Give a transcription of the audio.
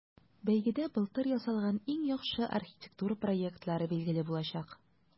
Бәйгедә былтыр ясалган иң яхшы архитектура проектлары билгеле булачак.